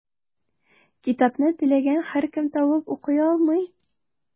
Китапны теләгән һәркем табып укый алмый.